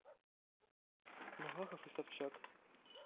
малахов и собчак